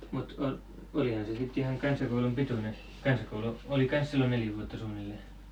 mutta - olihan se sitten ihan kansakoulun pituinen kansakoulu oli kanssa silloin neljä vuotta suunnilleen